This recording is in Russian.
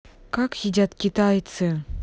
как едят китайцы